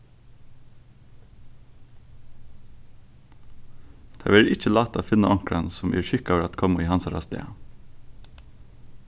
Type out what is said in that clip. tað verður ikki lætt at finna onkran sum er skikkaður at koma í hansara stað